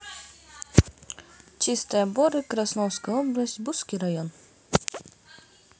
чистая боры красновская область бусский район